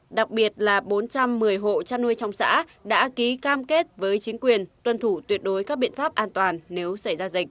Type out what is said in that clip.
đặc biệt là bốn trăm mười hộ chăn nuôi trong xã đã ký cam kết với chính quyền tuân thủ tuyệt đối các biện pháp an toàn nếu xảy ra dịch